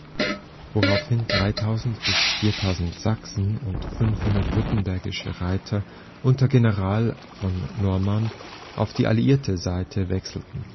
woraufhin 3.000 bis 4.000 Sachsen und 500 württembergische Reiter unter General von Normann auf die alliierte Seite wechselten